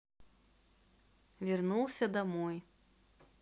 вернулся домой